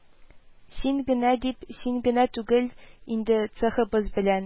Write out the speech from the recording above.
Син генә дип, син генә түгел инде: цехыбыз белән